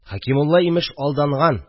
Хәкимулла, имеш, алданган